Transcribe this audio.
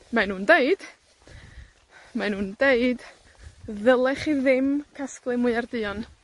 mae nw'n deud, mae nw'n deud, ddylech chi ddim casglu mwya'r duon,